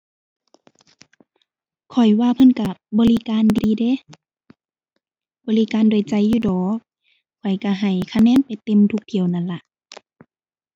ข้อยว่าเพิ่นก็บริการดีเดะ บริการด้วยใจอยู่ดอก ข้อยก็ให้คะแนนไปเต็มทุกเที่ยวนั่นล่ะ